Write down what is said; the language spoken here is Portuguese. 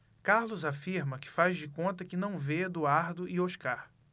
carlos afirma que faz de conta que não vê eduardo e oscar